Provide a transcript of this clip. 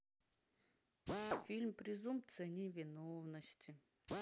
фильм презумпция невиновности